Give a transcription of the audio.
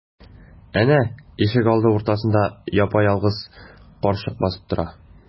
Әнә, ишегалды уртасында япа-ялгыз карчык басып тора.